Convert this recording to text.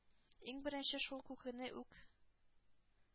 Иң беренче шул Күкене үк